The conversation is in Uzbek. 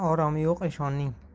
oromi yo'q eshonning